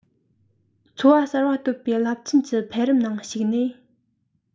འཚོ བ གསར པ གཏོད པའི རླབས ཆེན གྱི འཕེལ རིམ ནང ཞུགས ནས